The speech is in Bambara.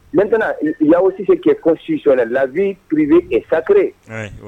Nt la tɛse kɛ ko susi la labi pbi ɛ sameree